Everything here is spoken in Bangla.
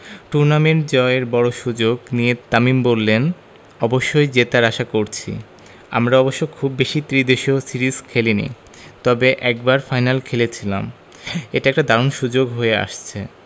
টুর্নামেন্ট জয়ের বড় সুযোগ নিয়ে তামিম বললেন অবশ্যই জেতার আশা করছি আমরা অবশ্য খুব বেশি ত্রিদেশীয় সিরিজ খেলেনি তবে একবার ফাইনাল খেলেছিলাম এটা একটা দারুণ সুযোগ হয়ে আসছে